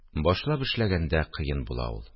Башлап эшләгәндә кыен була ул